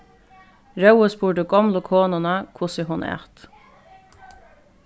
rói spurdi gomlu konuna hvussu hon æt